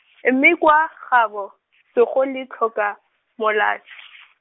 mme kwa gagabo , tsogo le tlhoka molatswi.